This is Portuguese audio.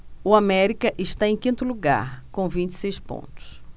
o américa está em quinto lugar com vinte e seis pontos